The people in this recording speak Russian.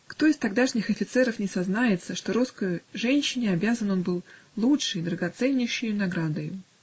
Кто из тогдашних офицеров не сознается, что русской женщине обязан он был лучшей, драгоценнейшей наградою?.